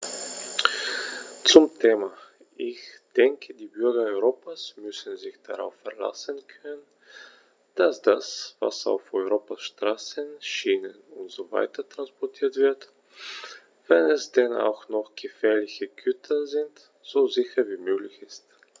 Zum Thema: Ich denke, die Bürger Europas müssen sich darauf verlassen können, dass das, was auf Europas Straßen, Schienen usw. transportiert wird, wenn es denn auch noch gefährliche Güter sind, so sicher wie möglich ist.